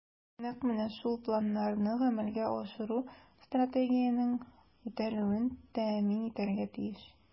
Нәкъ менә шул планнарны гамәлгә ашыру Стратегиянең үтәлүен тәэмин итәргә тиеш.